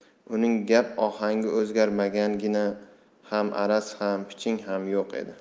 uning gap ohangi o'zgarmagan gina ham araz ham piching ham yo'q edi